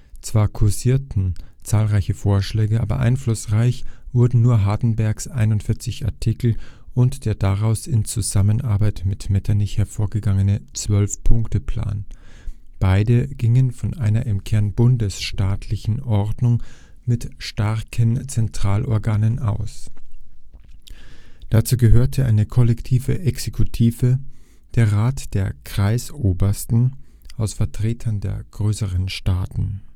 Zwar kursierten zahlreiche Vorschläge, aber einflussreich wurden nur Hardenbergs „ 41 Artikel “und der daraus in Zusammenarbeit mit Metternich hervorgegangene „ 12-Punkte-Plan “. Beide gingen von einer im Kern bundesstaatlichen Ordnung mit starken Zentralorganen aus. Dazu gehörte eine kollektive Exekutive, der „ Rat der Kreisobersten “, aus Vertretern der größeren Staaten